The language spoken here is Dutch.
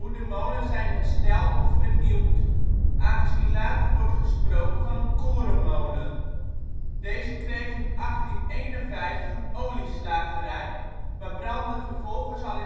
de molen zijn hersteld of vernieuwd aangezien later wordt gesproken van een korenmolen. Deze kreeg in 1851 een olieslagerij, maar brandde vervolgens al